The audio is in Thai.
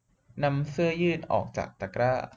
นำเสื้อยืดออกจากตะกร้า